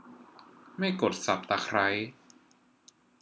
ไม่กดสับตะไคร้